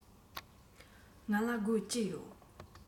ང ལ སྒོར བཅུ ཡོད